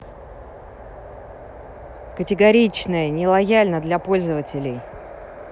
категоричная не лояльна для пользователей